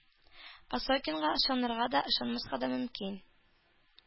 Осокинга ышанырга да, ышанмаска да мөмкин.